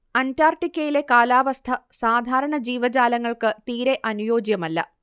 അന്റാർട്ടിക്കയിലെ കാലാവസ്ഥ സാധാരണ ജീവജാലങ്ങൾക്ക് തീരെ അനുയോജ്യമല്ല